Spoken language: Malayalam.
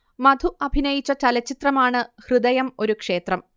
മധു അഭിനയിച്ച ചലച്ചിത്രം ആണ് ഹൃദയം ഒരു ക്ഷേത്രം